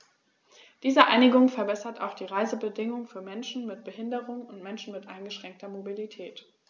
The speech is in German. Diese Einigung verbessert auch die Reisebedingungen für Menschen mit Behinderung und Menschen mit eingeschränkter Mobilität.